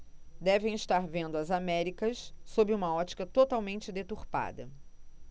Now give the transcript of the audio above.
devem estar vendo as américas sob uma ótica totalmente deturpada